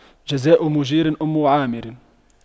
جزاء مُجيرِ أُمِّ عامِرٍ